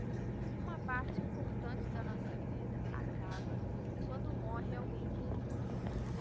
uma parte importante da nossa vida acaba quando morre alguém querido